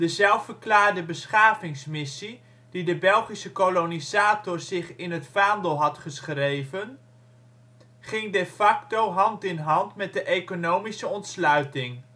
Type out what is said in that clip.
zelf-verklaarde ' beschavingsmissie ' die de Belgische kolonisator zich in het vaandel had geschreven, ging de facto hand in hand met de economische ontsluiting